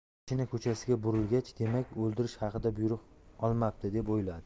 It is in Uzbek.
mashina ko'chasiga burilgach demak o'ldirish haqida buyruq olmabdi deb o'yladi